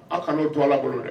Aw ka ne to bolo dɛ